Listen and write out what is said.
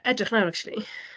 Edrych nawr, acshyli.